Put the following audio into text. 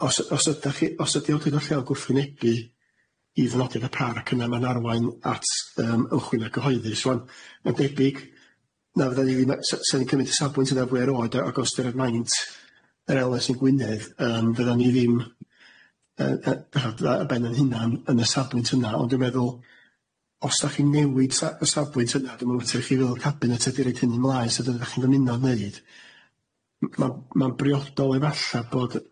os os ydach chi os ydi awdurdod lleol gwrthwynebu i ddynodiad y parc yna ma'n arwain at yym ymchwil y cyhoeddus rŵan ma'n debyg na fydda ni ddim a- sa- sa'n ni'n cymryd y safbwynt yna fwya'r oed a- ag os dyna'r maint yr elves yn Gwynedd yym fyddan ni ddim yy yy fatha dda- ar ben ein hunan yn y safbwynt yna ond dwi'n meddwl os dach chi'n newid sa- y safbwynt yna dwi'm yn water i chi feddwl cabinet ydi roid hynny mlaes a dy- dach chi'n dymuno wneud m- ma'n ma'n briodol efalla bod yy ma'n briod